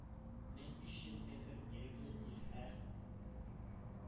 Мең биш йөз метр, ирекле стиль һәм